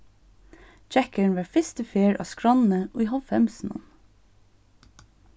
gekkurin var fyrstu ferð á skránni í hálvfemsunum